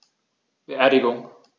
Beerdigung